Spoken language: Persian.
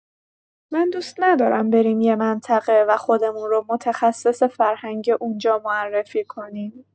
من دوست ندارم بریم یه منطقه و خودمون رو متخصص فرهنگ اونجا معرفی کنیم.